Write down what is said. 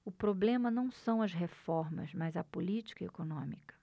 o problema não são as reformas mas a política econômica